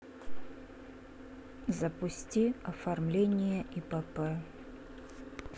запусти оформление ипп